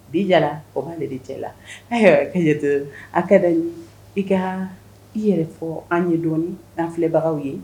Bi Jara o ma deli cɛ la i kaa i yɛrɛ fɔ an ye dɔɔni an filɛbagaw ye